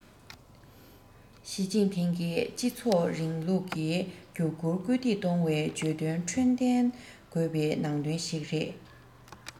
ཞིས ཅིན ཕིང གིས སྤྱི ཚོགས རིང ལུགས ཀྱི འགྱུར རྒྱུར སྐུལ འདེད གཏོང བའི བརྗོད དོན ཁྲོད ལྡན དགོས པའི ནང དོན ཞིག རེད